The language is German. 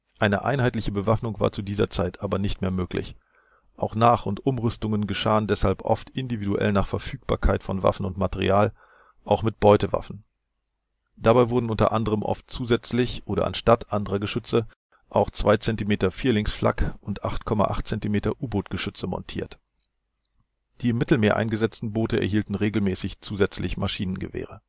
Eine einheitliche Bewaffnung war zu dieser Zeit aber nicht mehr möglich, auch Nach - und Umrüstungen geschahen deshalb oft individuell nach Verfügbarkeit von Waffen und Material, auch mit Beutewaffen. Dabei wurden unter anderem zusätzlich oder anstatt anderer Geschütze auch 2-cm-Vierlings-Flak und 8,8 cm U-Bootgeschütze montiert. Die im Mittelmeer eingesetzten Boote erhielten regelmäßig zusätzlich Maschinengewehre